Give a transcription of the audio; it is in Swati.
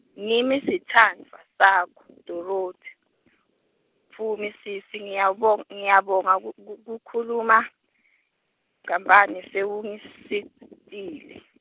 ngimi sitsandvwa, sakho, Dorothi, Phumi sisi ngiyabong- ngiyabonga, ku- ku- kukhuluma, Ngcamane, sewungisitile.